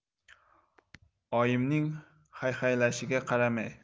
oyimning hayhaylashiga qaramay